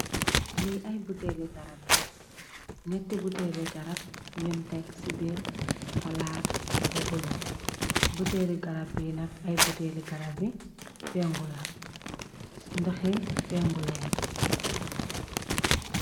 lii ay buteeli garab la ngetti buteeli garab yun teg ci biir palaat bu bulo buteeli garab yi nak ay buteeli garab yi pengu la ndoxi pengu leet